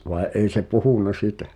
vaan ei se puhunut sitä